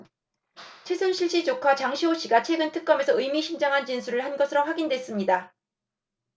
최순실 씨 조카 장시호 씨가 최근 특검에서 의미심장한 진술을 한 것으로 확인됐습니다